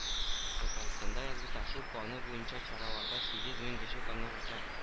Татарстанда "Язгы ташу" планы буенча чараларда сигез мең кеше катнашачак